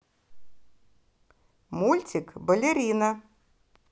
мультик балерина